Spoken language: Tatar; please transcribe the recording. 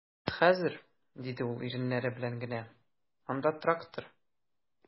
Без хәзер, - диде ул иреннәре белән генә, - анда трактор...